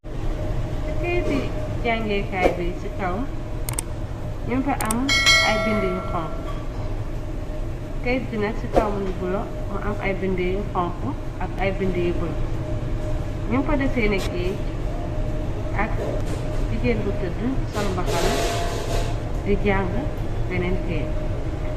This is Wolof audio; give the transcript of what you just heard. Ci keyt jangekaay bi ci kaw ñumpa am ay bind yu xonk. Keyt bi nag ci kaw mngi bulo mu am ay bind yi xonko ak ay bind yi bulo. Nyumpade see nekgéej ak jigéen bu tëdd solmbaxana di jàng beneen keyt.